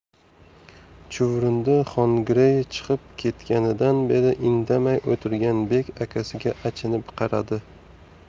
chuvrindi xongirey chiqib ketganidan beri indamay o'tirgan bek akasiga achinib qaradi